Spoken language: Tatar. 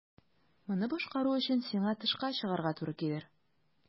Моны башкару өчен сиңа тышка чыгарга туры килер.